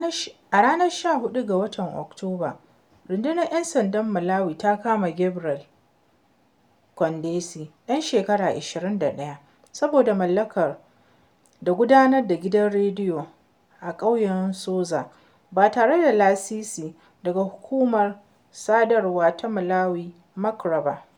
A ranar 14 ga Oktoba, Rundunar ‘Yan Sandan Malawi ta kama Gabriel Kondesi, ɗan shekara 21 saboda mallaka da gudanar da gidan rediyo a ƙauyen Soza ba tare da lasisi daga hukumar sadarwa ta Malawi (MACRA) ba.